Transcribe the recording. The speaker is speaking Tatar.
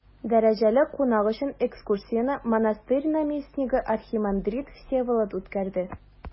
Дәрәҗәле кунак өчен экскурсияне монастырь наместнигы архимандрит Всеволод үткәрде.